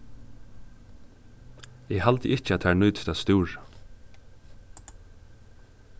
eg haldi ikki at tær nýtist at stúra